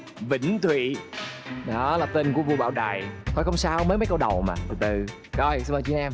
vĩnh thụy đó là tên của vua bảo đại thôi không sao mới mấy câu đầu mà từ từ rồi xin mời tri na em